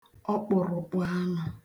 ọkpụ̀rụ̀kpụ̀ anụ̄